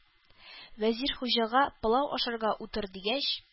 Вәзир Хуҗага, пылау ашарга утыр, дигәч,